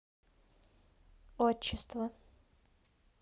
отчество